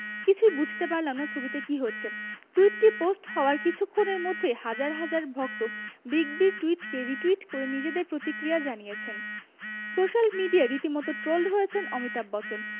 ... কিছু বুঝতেই পারলাম না ছবিতে কী হচ্ছে টুইটটি পোস্ট হওয়ার কিছুক্ষণের মধ্যেই হাজার হাজার ভক্ত বিগ বির টুইটকে রিটুইট করে নিজেদের প্রতিক্রিয়া জানিয়েছেন সোশ্যাল মিডিয়ায় রীতিমতো ট্রোলড হয়েছেন অমিতাভ বচ্চন